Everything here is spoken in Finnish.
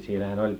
siinähän oli